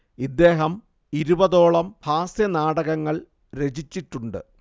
ഇദ്ദേഹം ഇരുപതോളം ഹാസ്യ നാടകങ്ങൾ രചിച്ചിട്ടുണ്ട്